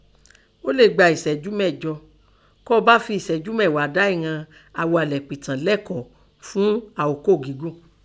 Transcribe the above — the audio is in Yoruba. O lè gba ìṣẹ́jú mẹ́jọ, kó o bá fi ìṣẹ́jú mẹ́ghàá dá ìghọn aghalẹ̀pìtàn lẹ́kọ̀ọ́ fún àkókò gígùn.